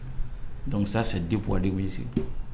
Dɔnkusa se di buugden sigi